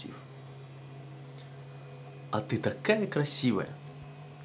а ты такая красивая